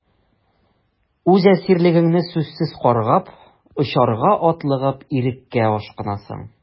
Үз әсирлегеңне сүзсез каргап, очарга атлыгып, иреккә ашкынасың...